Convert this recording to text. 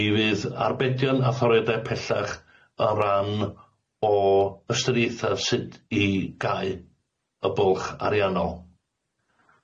Mi fydd arbedion a thoriade pellach o ran o ystyriaethe sut i gau y bwlch arnnol.